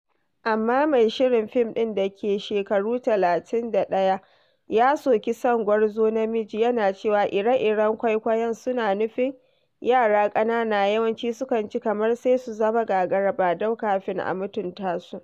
Amma mai shirin fim ɗin, da ke shekaru 31, ya soki son gwarzo namiji, yana cewa ire-iren kwaikwayon suna nufin yara ƙanana yawanci sukan ji kamar sai su zama gagara-badau kafin a mutunta su.